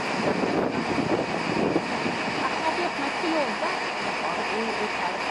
defnyddio derminoleg. A chofiwch mai priodas mewn ffordd yw yw cerdd